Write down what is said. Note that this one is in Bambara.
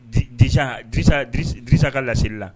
Sasasa ka laeli la